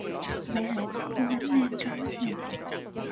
vẻ hạnh phúc luôn ánh lên trong mắt người đẹp